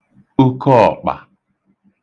okeọ̀kpà